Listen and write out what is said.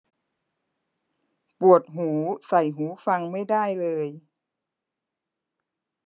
ปวดหูใส่หูฟังไม่ได้เลย